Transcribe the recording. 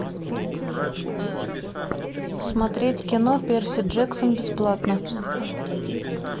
смотреть кино перси джексон бесплатно